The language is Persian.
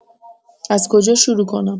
از کجا شروع کنم؟